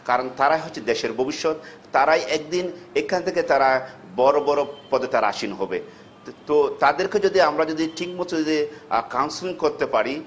কারন তারা হচ্ছে দেশের ভবিষ্যৎ তারা একদিন এখান থেকে তারা বড় বড় পদে তারা আসীন হবে তো তাদেরকে যদি আমরা যদি ঠিক মতো যদি কাউন্সিলিং করতে পারি